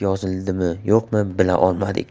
yozildimi yo'qmi bila olmadik